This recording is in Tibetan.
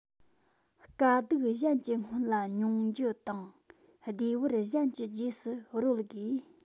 དཀའ སྡུག གཞན གྱི སྔོན ལ མྱོང རྒྱུ དང བདེ བར གཞན གྱི རྗེས སུ རོལ དགོས